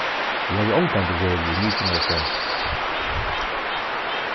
eg havi ongantíð verið í mykinesi